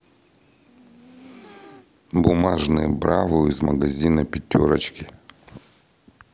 бумажные бравлы из магазина пятерочки